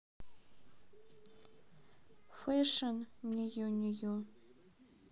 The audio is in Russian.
fashion new new